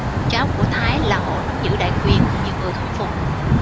cháu của thái là hộ nắm giữ đại quyền nhiều người không phục